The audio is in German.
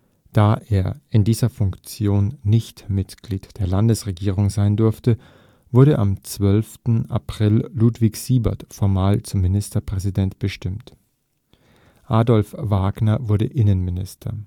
Da er in dieser Funktion nicht Mitglied der Landesregierung sein durfte, wurde am 12. April Ludwig Siebert formal zum Ministerpräsident bestimmt; Adolf Wagner wurde Innenminister